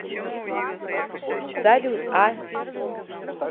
салют а